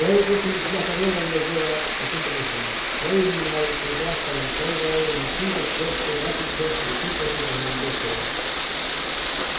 tó eg kundi ikki lata vera við at gera eitt sindur burturúr kleynurnar ger bakarin í sørvági men siropskøkur dadlukøkur og piparkøkur havi eg gjørt sjálv